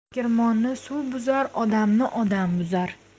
tegirmonni suv buzar odamni odam buzar